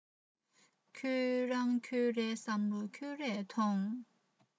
ཁྱོད རང ཁྱོད རའི བསམ བློ ཁྱོད རས ཐོངས